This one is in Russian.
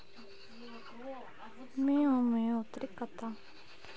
миу миу три кота